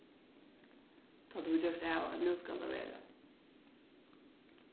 tá tú hevur gjørt av at nú skal tað vera